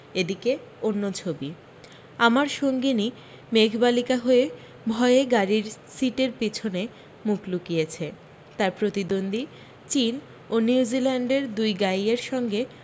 এ দিকে অন্য ছবি আমার সঙ্গিনী মেঘবালিকা হয়ে ভয়ে গাড়ীর সিটের পিছনে মুখ লুকিয়েছে তাঁর প্রতিদ্বন্দ্বী চীন ও নিউজিল্যান্ডের দুই গাইয়ের সঙ্গে